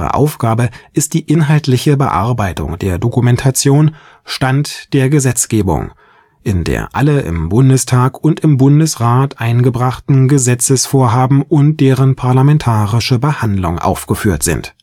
Aufgabe ist die inhaltliche Bearbeitung der Dokumentation „ Stand der Gesetzgebung “(GESTA), in der alle im Bundestag und im Bundesrat eingebrachten Gesetzesvorhaben und deren parlamentarische Behandlung aufgeführt sind